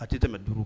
A tɛ tɛmɛ duuru